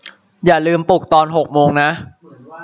อย่าลืมปลุกตอนหกโมงนะ